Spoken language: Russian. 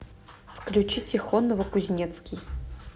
включи тихон новокузнецкий